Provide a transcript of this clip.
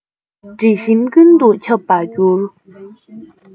དྲི ཞིམ ཀུན ཏུ ཁྱབ པར འགྱུར